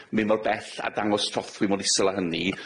myn' mor bell â dangos trothwy mor isel â hynny.